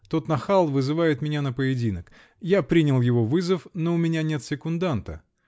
Тот нахал вызывает меня на поединок. Я принял его вызов. Но у меня нет секунданта.